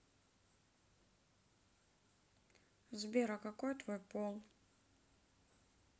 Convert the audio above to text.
сбер а какой твой пол